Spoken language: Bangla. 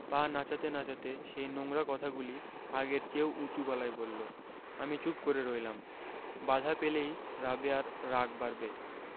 পা নাচাতে নাচাতে সেই নোংরা কথাগুলি আগের চেয়েও উচু গলায় বললো আমি চুপ করে রইলাম বাধা পেলেই রাবেয়ার রাগ বাড়বে